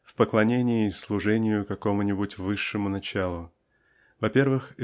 в поклонении и служении какому-нибудь высшему началу. Во-первых